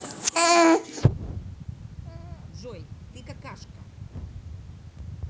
джой ты какашка